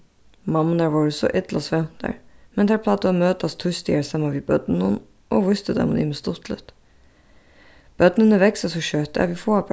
mammurnar vóru so illa svøvntar men tær plagdu at møtast týsdagar saman við børnunum og vístu teimum ymiskt stuttligt børnini vaksa so skjótt at vit fáa